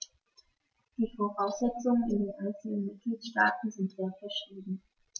Die Voraussetzungen in den einzelnen Mitgliedstaaten sind sehr verschieden.